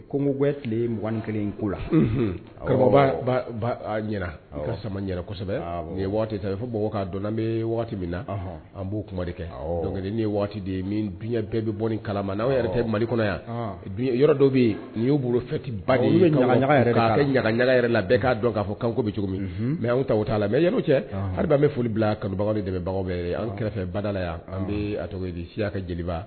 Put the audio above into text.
Ko tile m kelen in ko la samasɛbɛ waati ta dɔn an bɛ waati min na an b'o kuma kɛ dɔnkili waati de ye dun bɛɛ bɛ bɔ kala ma n yɛrɛ tɛ mali kɔnɔ yan yɔrɔ dɔ bɛ y'o bolo ɲaga ɲaga yɛrɛ la bɛɛ k'a dɔn fɔko bɛ cogo min mɛ an ta t' la mɛ cɛ bɛ foli bila kanubagaw de dɛmɛbagaw an kɛrɛfɛ bada la yan an bɛ di si ka jeliba